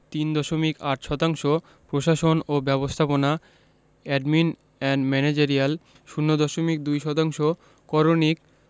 ৩ দশমিক ৮ শতাংশ প্রশাসন ও ব্যবস্থাপনা এডমিন এন্ড ম্যানেজেরিয়াল ০ দশমিক ২ শতাংশ করণিক